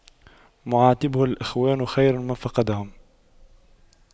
معاتبة الإخوان خير من فقدهم